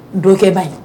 Dokɛba ɲi